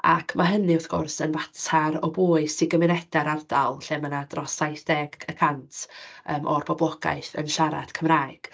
Ac ma' hynny wrth gwrs yn fatar o bwys i gymunedau'r ardal lle mae 'na dros saith deg y cant yym o'r boblogaeth yn siarad Cymraeg.